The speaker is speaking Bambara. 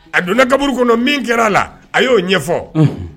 A donna kaburu kɔnɔ min kɛra a la a y'o ɲɛfɔ unhun